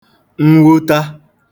mwuta